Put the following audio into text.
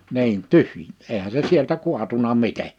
niin - eihän se sieltä kaatunut miten